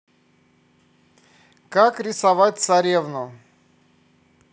как рисовать царевну